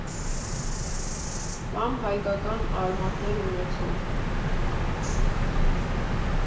Կամ հայկական արմատներ ունեցող։